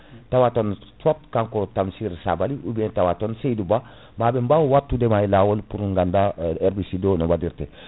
tawa ton soit kanko Tamsir Sabaly ou bien tawaton Saydou Ba maɓe mbwa wattudema e lawol pour ganda herbicide o no waɗirte